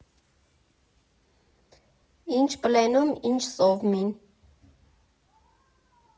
«Ի՞նչ պլենում, ի՜նչ սովմին։